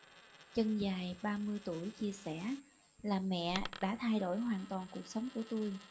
chân dài ba mươi tuổi chia sẻ làm mẹ đã thay đổi hoàn toàn cuộc sống của tôi